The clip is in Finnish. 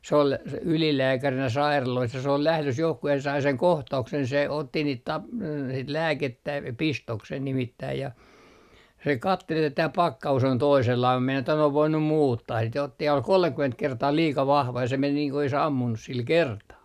se oli - ylilääkärinä sairaaloissa ja se oli lähdössä johonkin ja se sai sen kohtauksen se otti niitä - sitten lääkettä pistoksen nimittäin ja se katseli että tämä pakkaus on toisenlainen mutta meinasi että ne on voinut muuttaa sitten ja otti ja oli kolmekymmentä kertaa liika vahva ja se meni niin kuin olisi ampunut sillä kertaa